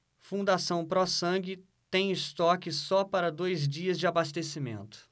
fundação pró sangue tem estoque só para dois dias de abastecimento